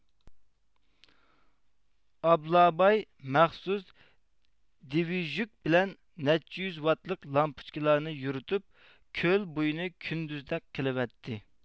ئابلاباي مەخسۇس دىۋىژۈك بىلەن نەچچە يۈز ۋاتلىق لامپۇچكىلارنى يورۇتۇپ كۆل بويىنى كۈندۈزدەك قىلىۋەتتى